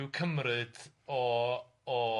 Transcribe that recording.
i'w cymryd o o'r yym